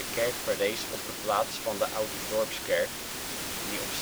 kerk verrees op de plaats van de oude dorpskerk die op